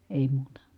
ei muuta